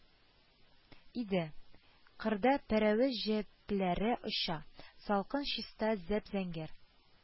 Иде, кырда пәрәвез җепләре оча, салкын чиста зәп-зәңгәр